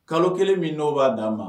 Kalo kelen min n' b'a dia ma